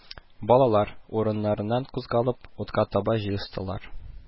Балалар, урыннарыннан кузгалып, утка таба җыелыштылар